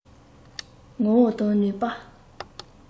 ངོ བོ དང ནུས པ